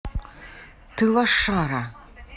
ты лошара